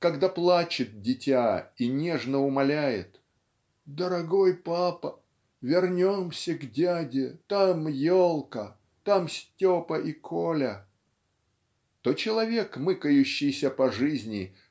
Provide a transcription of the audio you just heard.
Когда плачет дитя и нежно умоляет: "Дорогой папа, вернемся к дяде! Там елка! Там Степа и Коля" то человек мыкающийся по жизни